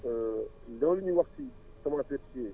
loolu ñuy wax si semence certifiée